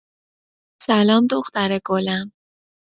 سلام دختر گلم